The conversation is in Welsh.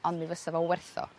ond mi fysa fo werth o.